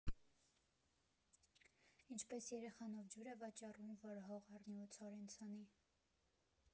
Ինչպես երեխան, ով ջուր է վաճառում, որ հող առնի ու ցորեն ցանի։